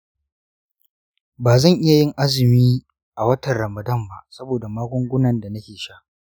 ba zan iya yin azumi a watan ramadan ba saboda magungunan da nake sha.